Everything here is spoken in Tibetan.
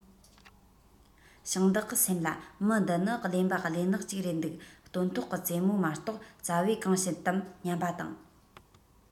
ཞིང བདག གི སེམས ལ མི འདི ནི གླེན པ གླེན ནག ཅིག རེད འདུག སྟོན ཐོག གི ཙེ མོ མ གཏོགས ཙ བས གང བྱེད དམ སྙམ པ དང